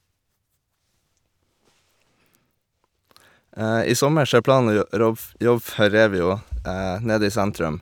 I sommer så er planen å gjø robb f jobbe for Revio nede i sentrum.